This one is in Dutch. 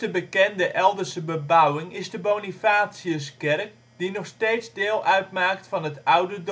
bekende Eldense bebouwing is de Bonifatiuskerk die nog steeds deel uitmaakt van het oude